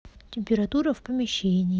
температура в помещении